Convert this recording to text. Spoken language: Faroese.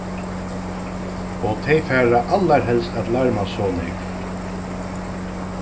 og tey fara allarhelst at larma so nógv